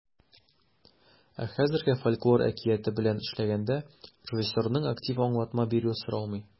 Ә хәзергә фольклор әкияте белән эшләгәндә режиссерның актив аңлатма бирүе соралмый.